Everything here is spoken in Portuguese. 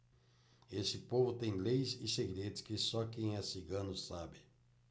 esse povo tem leis e segredos que só quem é cigano sabe